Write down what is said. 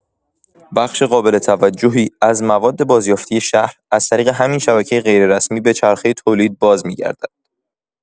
بخش قابل توجهی از مواد بازیافتی شهر، از طریق همین شبکه غیررسمی به چرخه تولید بازمی‌گردد.